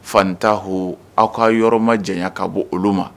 Fantaw a ka yɔrɔ majanya ka bɔ o ma